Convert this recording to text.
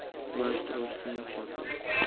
musht ursang shapaloq kut